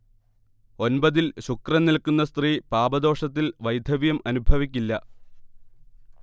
ഒൻപതിൽ ശുക്രൻ നിൽക്കുന്ന സ്ത്രീ പാപദോഷത്തിൽ വൈധവ്യം അനുഭവിക്കില്ല